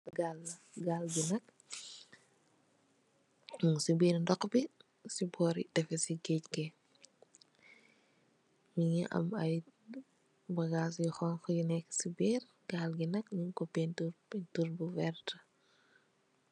Gaal bi gaal bi nak mung si bir ndox bi, ci bori tafesi guage gi ,mungi am ay bagass yu xonxo yu nekuh ci birr. Gaal bi nak nyung ku paintur bu werta